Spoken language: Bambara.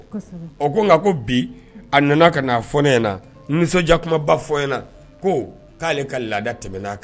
Ko nka ko bi a nana ka fɔ ɲɛna nisɔndiyakumaba fɔ ko k'ale ka laada tɛmɛna' kan